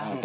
waaw